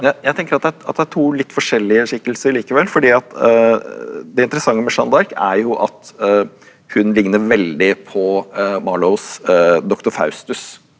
jeg jeg tenker at det at det er to litt forskjellige skikkelser likevel fordi at det interessante med Joanne D'Arc er jo at hun ligner veldig på Marlowes Doktor Faustus,